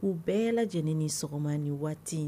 K u bɛɛ yɛlɛ lajɛleneni ni sɔgɔma ni waati in